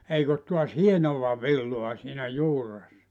eikä ole taas hienoa villaa siinä juuressa